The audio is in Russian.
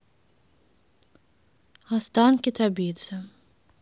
останки табидзе